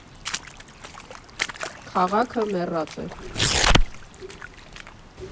Քաղաքը մեռած է։